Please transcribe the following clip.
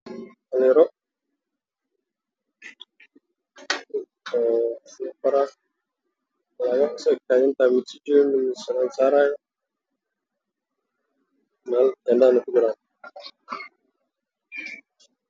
Dhalinyaro safar gaari cusub saaran meelna ku marayo